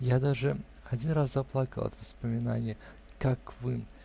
Я даже один раз заплакал от воспоминанья, как вы.